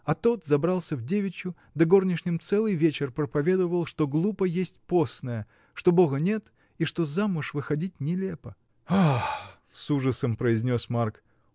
А тот забрался в девичью да горничным целый вечер проповедовал, что глупо есть постное, что Бога нет и что замуж выходить нелепо. — Ах! — с ужасом произнес Марк.